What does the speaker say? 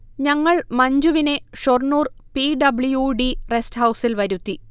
ഞങ്ങൾ മഞ്ജുവിനെ Shoranur P. W. D. റെസ്റ്റ്ഹൗസിൽ വരുത്തി